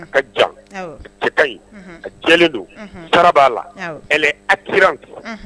Ka jan . Unhun . A cɛ ka ɲi Unhun . A jɛlen don Unhun . Sara ba la Unhun . Elle est attirante .